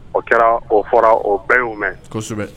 O kɛra o fɔra o bɛɛ' mɛn kosɛbɛ